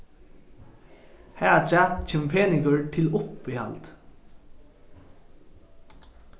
harafturat kemur peningur til uppihald